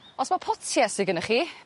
Os ma' potie sy gynnoch chi